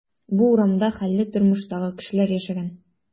Бу урамда хәлле тормыштагы кешеләр яшәгән.